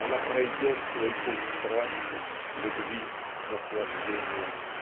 она пройдет свой путь страсти любви наслаждения".